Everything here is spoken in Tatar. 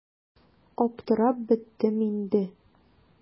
Аптырап беттем инде.